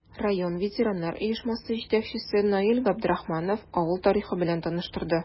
Район ветераннар оешмасы җитәкчесе Наил Габдрахманов авыл тарихы белән таныштырды.